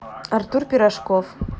артур пирожков